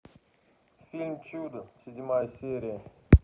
фильм чудо седьмая серия